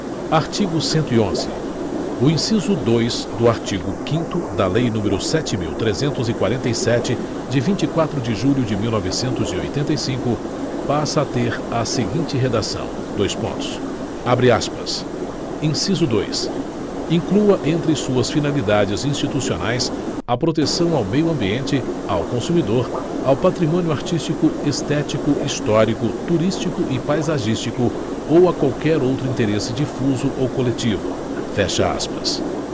artigo cento e onze o inciso dois do artigo quinto da lei número sete mil trezentos e quarenta e sete de vinte e quatro de julho de mil novecentos e oitenta e cinco passa a ter a seguinte redação dois pontos abre aspas inciso dois inclua entre suas finalidades institucionais a proteção ao meio ambiente ao consumidor ao patrimônio artístico estético histórico turístico e paisagístico ou a qualquer outro interesse difuso ou coletivo fecha aspas